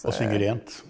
å synge rent.